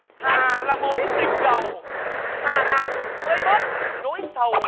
hà là mối tình đầu hà làm vơi bớt nỗi sầu